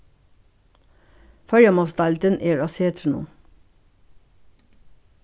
føroyamálsdeildin er á setrinum